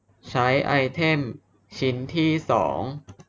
ใช้ไอเทมชิ้นที่สอง